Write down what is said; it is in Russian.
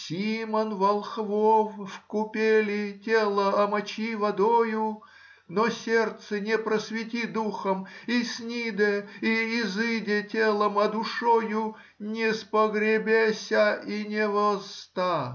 Симон Волхв в купели тело омочи водою, но сердце не просвети духом, и сниде, и изыде телом, а душою не спогребеся, и не возста.